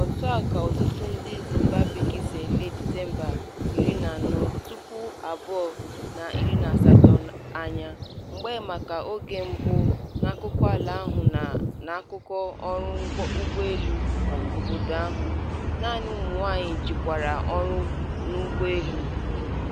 otu a ka ọtụtụ ndị Mozambique si ele Disemba 14, 2018 anya, mgbe maka oge mbụ n'akụkọala ahụ na n'akụkọ ọrụ ụgbọelu obodo ahụ, naanị ụmụnwaanyị jikwara ọrụ n'ụgbọelu.